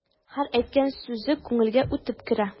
Һәр әйткән сүзе күңелгә үтеп керә.